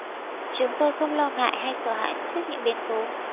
chúng tôi không lo ngại hay sợ hãi trước những biến cố